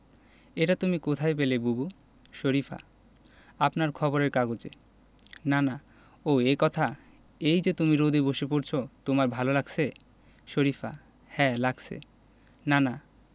এটা তুমি কোথায় পেলে বুবু শরিফা আপনার খবরের কাগজে নানা ও এই কথা এই যে তুমি রোদে বসে পড়ছ তোমার ভালো লাগছে শরিফা হ্যাঁ লাগছে নানা